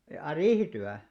jaa riihityö